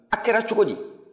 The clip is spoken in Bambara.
a kɛra cogo di